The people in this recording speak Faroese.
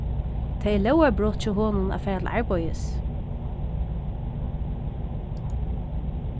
tað er lógarbrot hjá honum at fara til arbeiðis